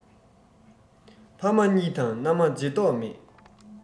ཕ མ གཉིས དང མནའ མ བརྗེ མདོག མེད